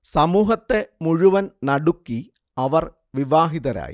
സമൂഹത്തെ മുഴുവൻ നടുക്കി അവർ വിവാഹിതരായി